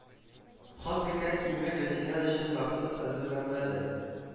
Ханбикә киеме Гөлсинә өчен махсус әзерләнмәде